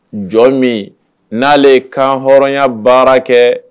Jɔn min n'ale kan hɔrɔnya baara kɛ